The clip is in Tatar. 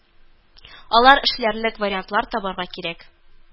Алар эшләрлек вариантлар табарга кирәк